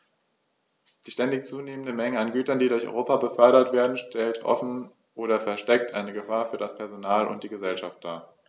Die ständig zunehmende Menge an Gütern, die durch Europa befördert werden, stellt offen oder versteckt eine Gefahr für das Personal und die Gesellschaft dar.